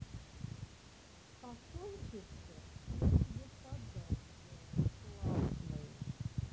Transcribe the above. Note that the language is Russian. а кончишься я тебе подал сделал классный